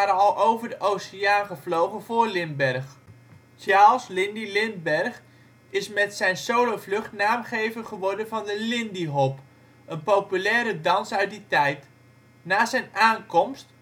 al over de oceaan gevlogen voor Lindbergh. Charles ' Lindy ' Lindbergh is met zijn solovlucht naamgever geworden van de lindy hop, een populaire dans uit die tijd. Na zijn aankomst